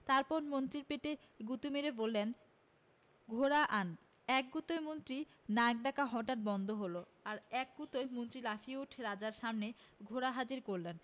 তারপর মন্ত্রীর পেটে গুতো মেরে বললেন ঘোড়া আন এক গুতোয় মন্ত্রীর নাক ডাকা হঠাৎ বন্ধ হল আর এক গুতোয় মন্ত্রী লাফিয়ে উঠে রাজার সামনে ঘোড়া হাজির করলেন